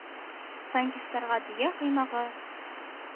Танкистларга – дөя “коймагы”